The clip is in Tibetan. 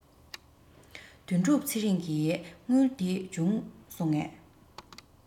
དོན གྲུབ ཚེ རིང གི དངུལ དེ བྱུང སོང ངས